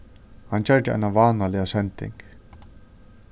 hann gjørdi eina vánaliga sending